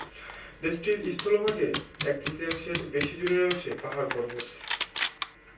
দেশটির স্থলভাগে এক তৃতীয়াংশের বেশি জুড়ে রয়ছে পাহাড় পর্বত